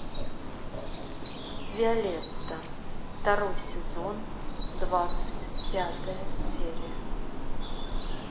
виолетта второй сезон двадцать пятая серия